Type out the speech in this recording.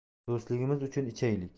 do'stligimiz uchun ichaylik